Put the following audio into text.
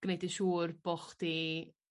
Gneud yn siŵr bo' chdi